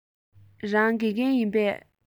རང དགེ རྒན ཡིན པས